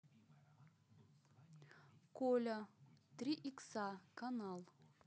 коля три икса канал